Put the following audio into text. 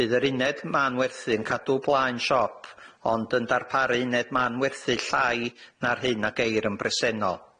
Bydd yr uned ma'n werthu yn cadw blaen siop, ond yn darparu uned ma'n werthu llai na'r hyn a geir yn bresennol.